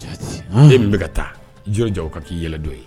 Den min bɛka ka taa jiri ja ka k'i yɛlɛ don ye